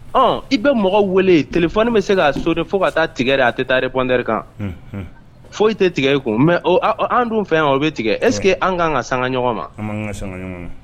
Ɔ i bɛ mɔgɔ wele tfɔ bɛ se k kaa so de fo ka taa tigɛɛrɛ a tɛ taare kɔnɛ kan foyi i tɛ tigɛ e kun mɛ an don fɛ o bɛ tigɛ esseke an kanan ka san ɲɔgɔn ma